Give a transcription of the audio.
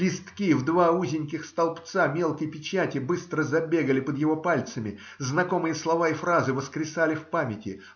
Листки в два узеньких столбца мелкой печати быстро забегал и под его пальцами, знакомые слова и фразы воскресали в памяти.